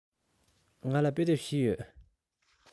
ང ལ དཔེ དེབ བཞི ཡོད